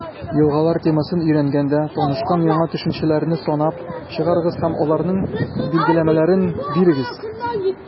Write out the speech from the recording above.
«елгалар» темасын өйрәнгәндә танышкан яңа төшенчәләрне санап чыгыгыз һәм аларның билгеләмәләрен бирегез.